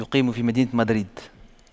يقيم في مدينة مدريد